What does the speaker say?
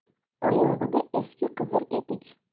oyog'ida eski qizil etik